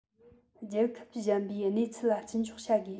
རྒྱལ ཁབ གཞན པའི གནས ཚུལ ལ བརྩི འཇོག བྱ དགོས